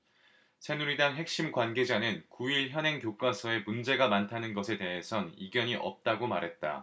새누리당 핵심 관계자는 구 일 현행 교과서에 문제가 많다는 것에 대해선 이견이 없다고 말했다